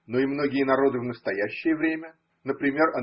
но и многие народы в настоящее время, например.